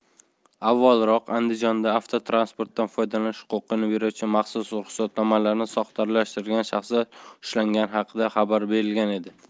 avvalroq andijonda avtotransportdan foydalanish huquqini beruvchi maxsus ruxsatnomalarni soxtalashtirgan shaxslar ushlangani haqida xabar berilgan edi